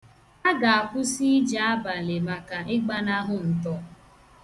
A ga-akwụsị ije abalị maka ịgbanahụ ntọ.